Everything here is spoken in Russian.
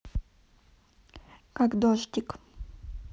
как дождик